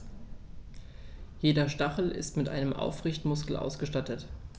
Jeder Stachel ist mit einem Aufrichtemuskel ausgestattet.